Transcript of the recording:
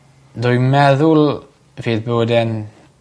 Dwi'n meddwl fydd bod e'n